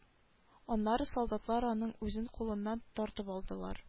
Аннары солдатлар аның үзен кулыннан тартып алдылар